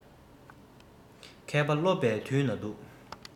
མཁས པ སློབ པའི དུས ན སྡུག